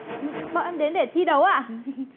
bọn em đến để thi đấu ạ